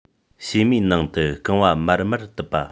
བྱེ མའི ནང དུ རྐང པ མར མར དིམ པ